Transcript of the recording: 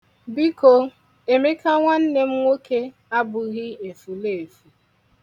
Biko, Emeka nwanne m nwoke abụghị efuleefu!